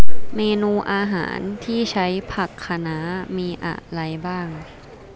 เมนูอาหารที่ใช้ผักคะน้ามีอะไรบ้าง